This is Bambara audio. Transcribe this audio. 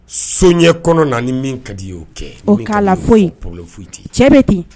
So ɲɛ kɔnɔ naani min ka di y'o kɛ o k'a la foyi foyi cɛ bɛ ten